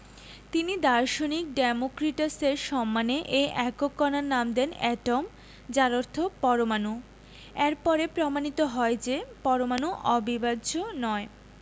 তিনি দার্শনিক ডেমোক্রিটাসের সম্মানে এ একক কণার নাম দেন এটম যার অর্থ পরমাণু এর পরে প্রমাণিত হয় যে পরমাণু অবিভাজ্য নয়